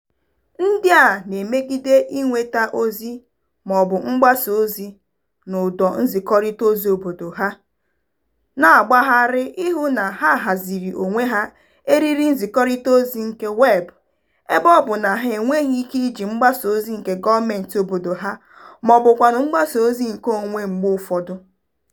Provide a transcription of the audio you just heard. Ndị a na-emegide inweta ozi maọbụ gbasaa ozi n'ụdọ nzikọrịtaozi obodo ha, na-agbagharị ị hụ na ha haziri onwe ha eriri nzikọrịtaozi nke weebụ, ebe ọ bụ na ha enweghị ike iji mgbasa ozi nke gọọmenti obodo ha maọbụkwanụ mgbasa ozi nke onwe mgbe ụfọdụ.